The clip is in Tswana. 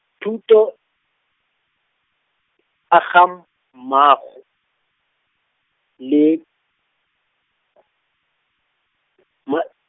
thuto, a ga m-, mmaago, le .